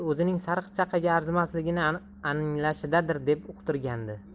o'zining sariqchaqaga arzimasligini anglashdadir deb uqtirgandi